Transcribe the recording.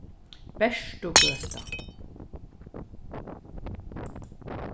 bertugøta